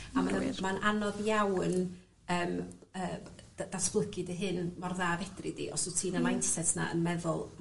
A ma'm... ...Ma' wnna wir. ...ma'n anodd iawn yym yy p- yy dat- datblygu dy hun yn mor dda a fedri di os wt ti yn y mindset 'na yn meddwl